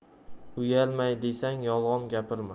uyalmay desang yolg'on gapirma